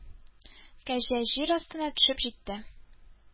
Кәҗә җир астына төшеп җитте